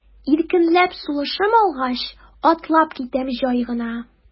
Иркенләп сулышым алгач, атлап китәм җай гына.